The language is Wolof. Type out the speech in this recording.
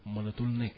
mënatul nekk